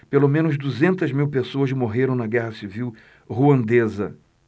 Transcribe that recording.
pelo menos duzentas mil pessoas morreram na guerra civil ruandesa